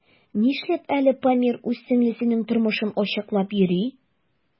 Нишләп әле Памир үз сеңлесенең тормышын ачыклап йөри?